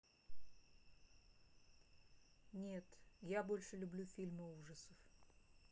нет я больше люблю фильмы ужасов